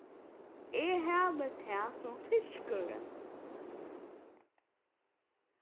eg havi tað sum fiskurin